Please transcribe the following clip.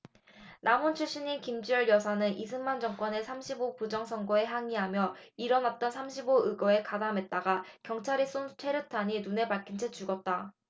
남원 출신인 김주열 열사는 이승만 정권의 삼 십 오 부정선거에 항의하며 일어났던 삼 십 오 의거에 가담했다가 경찰이 쏜 최루탄이 눈에 박힌 채 죽었다